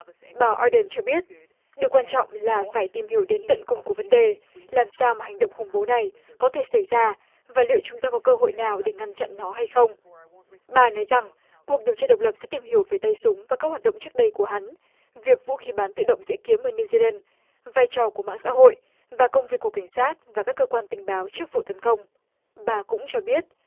bà ai đừn cho biết điều quan trọng là phải tìm hiểu đến tận cùng của vấn đề làm sao mà hành động khủng bố này có thể xảy ra và liệu chúng ta có cơ hội nào để ngăn chặn nó hay không bà nói rằng cuộc điều tra độc lập sẽ tìm hiểu về tay súng và các hoạt động trước đây của hắn việc vũ khí bán tự động dễ kiếm ở niu di lân vai trò của mạng xã hội và công việc của cảnh sát và các cơ quan tình báo trước vụ tấn công bà cũng cho biết